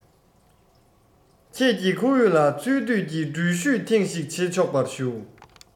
ཁྱེད ཀྱི ཁོར ཡུག ལ འཚོལ སྡུད ཀྱི འགྲུལ བཞུད ཐེངས ཤིག བྱེད ཆོག པར ཞུ